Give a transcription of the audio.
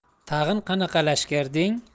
tag'in qanaqa lashkar deng